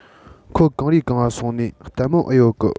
ཁོད གང རི གང ང སོང ནིས ལྟད མོ ཨེ ཡོད གི